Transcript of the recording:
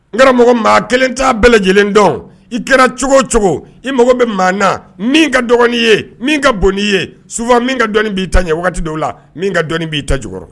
N kɛra mɔgɔ maa kelen t ta bɛɛ lajɛlen dɔn i kɛra cogo cogo i mago bɛ maa na min ka dɔgɔn ye min ka bon ye su min ka dɔnni b'i ɲɛ dɔw la min ka dɔnni b'i ta cogo